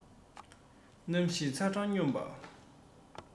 གནམ གཤིས ཚ གྲང སྙོམས པ